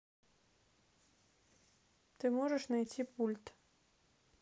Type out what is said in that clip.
ты можешь найти пульт